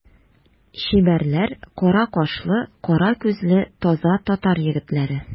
Чибәрләр, кара кашлы, кара күзле таза татар егетләре.